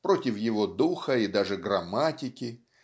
против его духа и даже грамматики